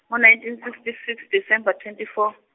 ngo nineteen sixty six, December twenty four.